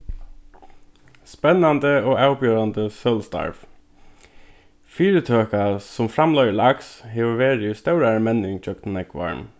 spennandi og avbjóðandi sølustarv fyritøka sum framleiðir laks hevur verið í stórari menning gjøgnum nógv ár